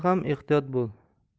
ham ehtiyot bo'l